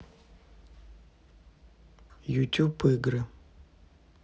ютюб игры